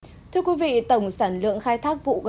thưa quý vị tổng sản lượng khai thác vụ